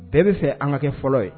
Bɛɛ bɛ fɛ an ka kɛ fɔlɔ ye